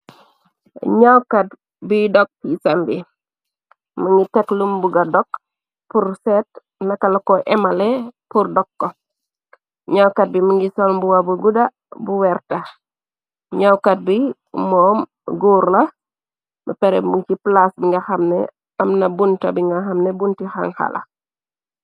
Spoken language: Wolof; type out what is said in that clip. ñawkat biy dok fiisam bi më ngi teklum bu ga dokg pur seet naka la ko emale pur dokko ñawkat bi më ngi solmbuwa bu guda bu werta ñawkat bi moo góurla m pere mu ci plaas bi nga xamne am na bunta bi nga xamne bunti xan xala